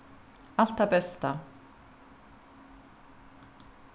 alt tað besta